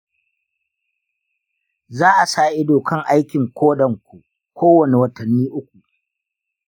za a sa ido kan aikin kodan ku kowanne watanni uku.